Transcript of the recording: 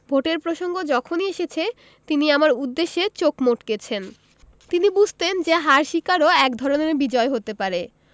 ভোটের প্রসঙ্গ যখনই এসেছে তিনি আমার উদ্দেশে চোখ মটকেছেন তিনি বুঝতেন যে হার স্বীকারও একধরনের বিজয় হতে পারে